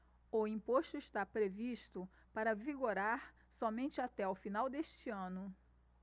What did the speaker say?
o imposto está previsto para vigorar somente até o final deste ano